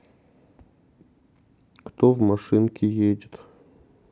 кто в машинке едет